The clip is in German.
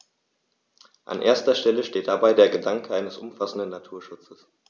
An erster Stelle steht dabei der Gedanke eines umfassenden Naturschutzes.